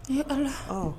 Ne ala